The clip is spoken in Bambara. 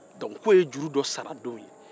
dɔnku k'o ye juru dɔ saradon ye